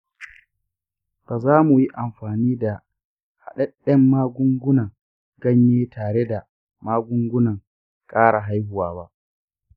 ba za mu yi amfani da haɗaɗɗen magungunan ganye tare da magungunan ƙara haihuwa ba.